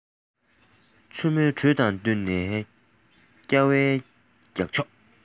ཆུ མོའི འགྲོས དང བསྟུན ནས སྐྱ བའི རྒྱག ཕྱོགས